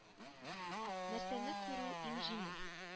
Нәрсәне күрү иң җиңел